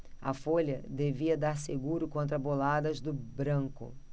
a folha devia dar seguro contra boladas do branco